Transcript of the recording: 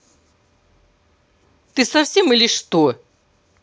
ты совсем или что